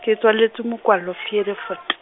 ke tswaletswe Mokwallo Vredefort.